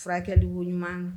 Furakɛ dugu ɲuman